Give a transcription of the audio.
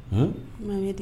Tɛ